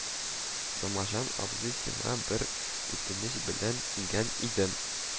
– намаҗан абзый, сиңа бер үтенеч белән килгән идем